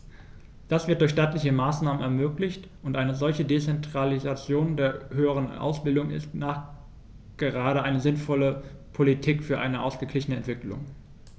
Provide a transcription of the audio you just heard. Das wird durch staatliche Maßnahmen ermöglicht, und eine solche Dezentralisation der höheren Ausbildung ist nachgerade eine sinnvolle Politik für eine ausgeglichene Entwicklung.